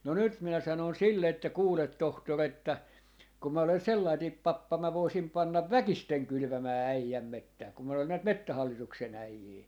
no nyt minä sanoin sille että kuule tohtori että kun minä olen sellainen pappa minä voisin panna väkisin kylvämään äijän metsää kun minä olen näitä metsähallituksen äijiä